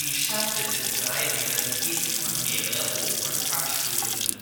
Stadt besitzt drei Universitäten und mehrere Hoch - und Fachschulen